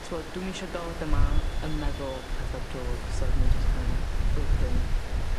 t'wod dwi'm isio dod yma yn meddw petha drwg so o'dd ni jyst kin' a open